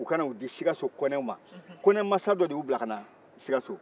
u ka na u di sikaso konɛw ma konɛmansa dɔ de y'u bila ka na sikaso